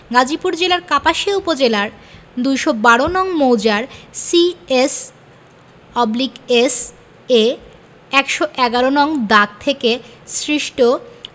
গাজীপুর জেলার কাপাসিয়া উপজেলার ২১২ নং মৌজার C S oblique S A ১১১ নং দাগ থেকে সৃষ্ট